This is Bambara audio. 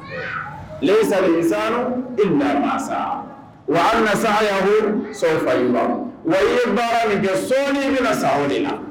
Le sa wa sa wa baara min kɛ sɔɔni bɛna sa o de la